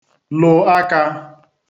lụ aka